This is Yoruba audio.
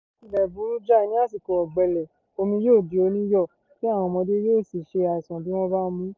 Ó tilẹ̀ burú jáì ní àsìkò ọ̀gbẹlẹ̀; omi yóò di oníyọ̀, tí àwọn ọmọdé yóò sì ṣe àìsàn bí wọ́n bá mu ú."